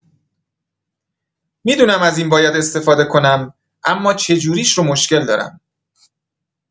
می‌دونم از این باید استفاده کنم، اما چجوریش رو مشکل دارم.